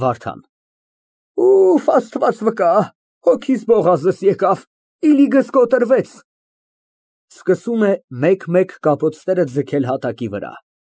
ՎԱՐԴԱՆ ֊ Ուֆ Աստված վկա, հոգիս բողազս եկավ։ (Սկսում է մեկ֊մեկ կապոցները ձգել հատակի վրա։